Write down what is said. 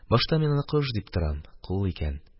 Башта мин аны кош дип торам, кул икән